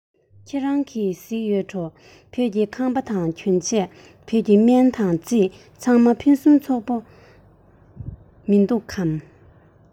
ཁྱེད རང གིས གཟིགས ཡོད འགྲོ བོད ཀྱི ཁང པ དང གྱོན ཆས བོད ཀྱི སྨན དང རྩིས ཚང མ ཕུན སུམ ཚོགས པོ འདྲས མི འདུག གས